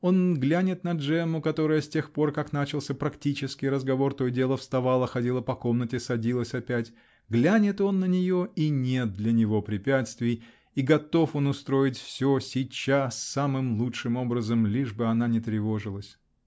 Он глянет на Джемму, которая с тех пор, как начался "практический" разговор, то и дело вставала, ходила по комнате, садилась опять, -- глянет он на нее -- и нет для него препятствий, и готов он устроить все, сейчас, самым лучшим образом, лишь бы она не тревожилась!